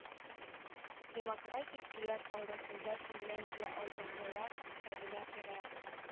Демократик илләр арасында финляндия алдыгылар исәбенә керә